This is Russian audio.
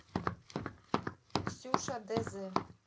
ксюша д з